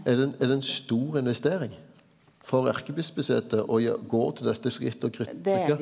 er det ein er det ein stor investering for erkebispesetet å gå til dette skritt og trykka?